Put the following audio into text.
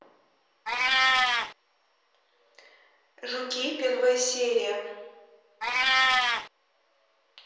жуки первая серия